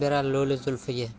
berar lo'li zulfiga